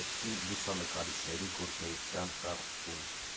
և կին լուսանկարիչների գործունեության խրախուսում։